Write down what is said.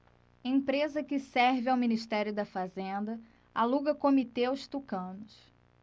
empresa que serve ao ministério da fazenda aluga comitê aos tucanos